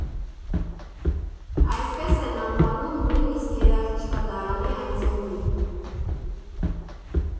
Այսպես են անվանում նույնիսկ երաժշտադարանի այցելուին։